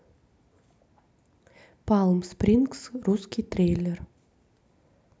палм спрингс русский трейлер